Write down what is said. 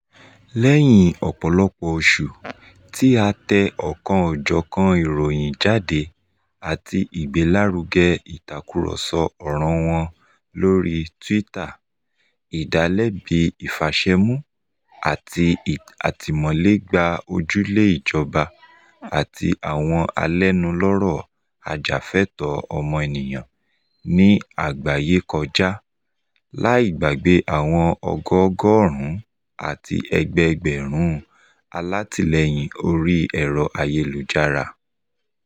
Lẹ́yìn ọ̀pọ̀lọpọ̀ oṣù tí a tẹ ọ̀kanòjọ̀kan ìròyìn jáde àti ìgbélárugẹ ìtàkùrọ̀sọ ọ̀ràn wọn lórí Twitter, ìdálébi ìfàṣẹmú àti àtìmọ́lé gba ojúlé ìjọba àti àwọn alẹ́nulọ́rọ̀ ajàfúnẹ̀tọ́ ọmọnìyàn ní àgbáyé kọjá, láì gbàgbé àwọn ọgọọ́gọ̀rún àti ẹgbẹẹ̀gbẹ̀rún alátìlẹ́yìn orí ẹ̀rọ-ayélujára.